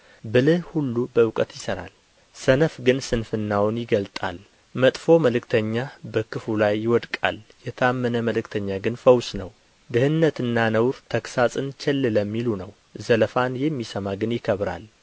ብልህ ሁሉ በእውቀት ይሠራል ሰነፍ ግን ስንፍናውን ይገልጣል መጥፎ መልእክተኛ በክፉ ላይ ይወድቃል የታመነ መልእክተኛ ግን ፈውስ ነው ድህነትና ነውር ተግሣጽን ቸል ለሚሉ ነው ዘለፋን የሚሰማ ግን ይከብራል